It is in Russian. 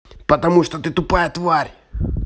потому что ты тупая тварь